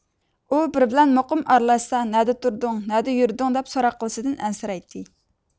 ئۇ بىرى بىلەن مۇقىم ئارىلاشسا نەدە تۇردۇڭ نەدە يۈردۈڭ دەپ سوراق قىلىشىدىن ئەنسىرەيتتى